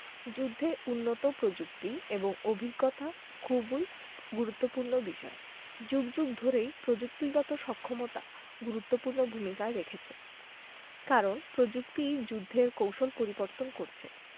যুদ্ধে উন্নত প্রযুক্তি এবং অভিজ্ঞতা খুবই গুরুত্বপূর্ণ বিষয় যুগ যুগ ধরেই প্রযুক্তিগত সক্ষমতা গুরুত্বপূর্ণ ভূমিকা রেখেছে কারণ প্রযুক্তিই যুদ্ধের কৌশল পরিবর্তন করছে